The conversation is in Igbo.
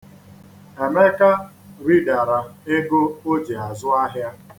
Emeka ridara ego o ji azụ ahịa.